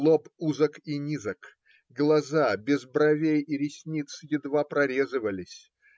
лоб узок и низок, глаза, без бровей и ресниц, едва прорезывались